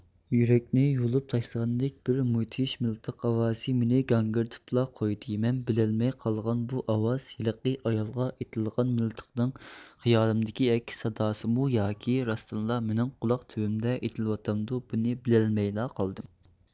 يۈرەكنى يۇلۇپ تاشلىغاندەك بىر مۇدھىش مىلتىق ئاۋازى مېنى گاڭگىرىتىپلا قويدى مەن بىلەلمەي قالغان بۇ ئاۋاز ھېلىقى ئايالغا ئېتىلغان مىلتىقنىڭ خىيالىمدىكى ئەكس ساداسىمۇ ياكى راستىنلا مېنىڭ قۇلاق تۈۋۈمدە ئېتىلىۋاتامدۇ بۇنى بىلەلمەيلا قالدىم